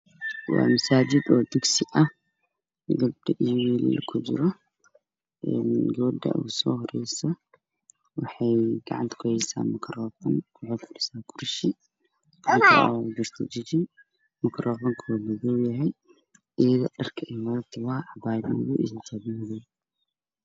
Waa masaajid oo dusgi ah oo gabdho iyo wiilal kujiraan, gabadha ugu soo horeyso waxay gacanta kuheysaa makaroofan waxay kufadhisaa kursi, gacanta jijinaa ugu jirto, makaroofanku waa madow, dharka ay wadato waa xijaab madow ah iyo cabaayad madow.